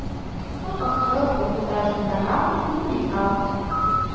кто построил двухэтажный корабль в minecraft